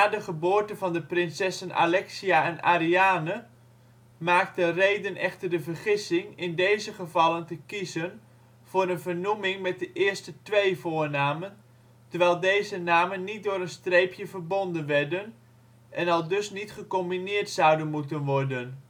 de geboorte van de prinsessen Alexia en Ariane maakte Rheden echter de vergissing in deze gevallen te kiezen voor een vernoeming met de eerste twee voornamen, terwijl deze namen niet door een streepje verbonden werden en aldus niet gecombineerd zouden moeten worden